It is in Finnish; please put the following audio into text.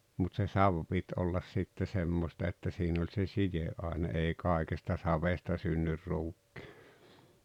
mutta se savi piti olla sitten semmoista että siinä oli se sideaine - ei kaikesta savesta synny ruukki